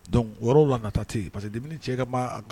Don wɔɔrɔ la ka taa ten pa queseke diini cɛ ka kan